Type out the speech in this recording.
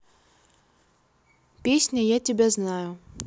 песня я тебя знаю